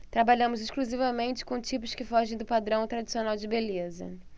trabalhamos exclusivamente com tipos que fogem do padrão tradicional de beleza